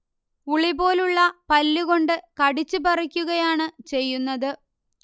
ഉളി പോലുള്ള പല്ലു കൊണ്ട് കടിച്ചു പറിക്കുകയാണ് ചെയ്യുന്നത്